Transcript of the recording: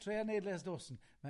Tria neud Les Dawson, ma'...